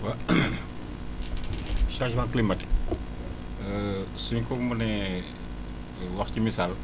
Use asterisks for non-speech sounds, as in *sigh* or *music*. waaw *coughs* *noise* cangement climatique *hesitation* suñ ko mënee wax ci misaal